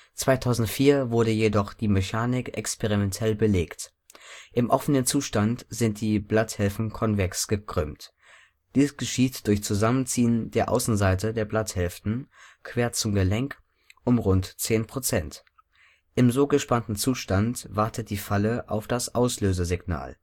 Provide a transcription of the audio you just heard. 2004 wurde jedoch die Mechanik experimentell belegt: Im offenen Zustand sind die Blatthälften konvex gekrümmt, dies geschieht durch Zusammenziehen der Außenseite der Blatthälften quer zum Gelenk um rund 10 %. Im so gespannten Zustand wartet die Falle auf das Auslösesignal